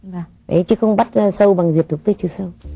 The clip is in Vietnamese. ấy chứ không bắt ra sâu bằng diệt phiệt thuốc trừ sâu